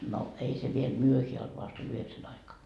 no ei se vielä myöhään ollut vasta oli yhdeksän aikaan